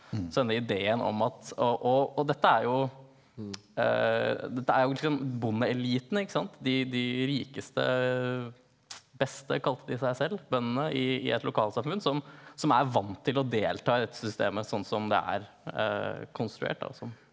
så denne ideen om at og og og dette er jo dette er jo liksom bondeeliten ikke sant de de rikeste beste kalte de seg selv bøndene i et lokalsamfunn som som er vant til å delta i dette systemet sånn som det er konstruert da som.